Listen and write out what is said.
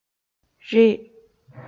རེད